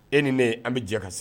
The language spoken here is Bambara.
E ni ne an bɛ jɛ ka segin